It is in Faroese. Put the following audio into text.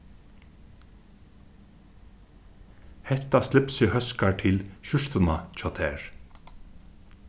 hetta slipsið hóskar til skjúrtuna hjá tær